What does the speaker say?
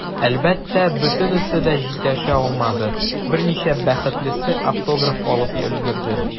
Әлбәттә, бөтенесе дә җитешә алмады, берничә бәхетлесе автограф алып өлгерде.